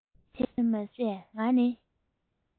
དེར མ ཟད ང ནི